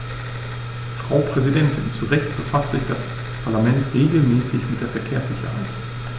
Frau Präsidentin, zu Recht befasst sich das Parlament regelmäßig mit der Verkehrssicherheit.